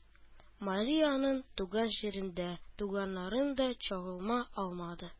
Мария аның туган җирен дә, туганнарын да чалымга алмады.